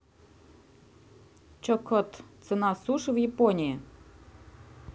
shok ot цена суши в японии